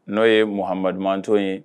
N'o ye Muhamadu mantonw ye